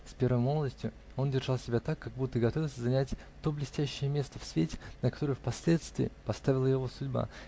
С первой молодости он держал себя так, как будто готовился занять то блестящее место в свете, на которое впоследствии поставила его судьба